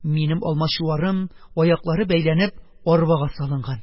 Минем алмачуарым, аяклары бәйләнеп, арбага салынган...